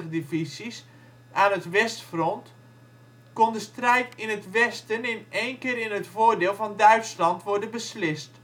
divisies aan het westfront kon de strijd in het westen in één keer in het voordeel van Duitsland worden beslist